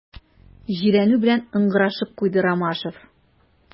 Җирәнү белән ыңгырашып куйды Ромашов.